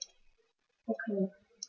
Okay.